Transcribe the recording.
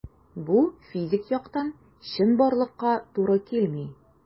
Бу физик яктан чынбарлыкка туры килми.